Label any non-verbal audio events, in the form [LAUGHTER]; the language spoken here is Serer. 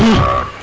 [HESITATION] [HESITATION]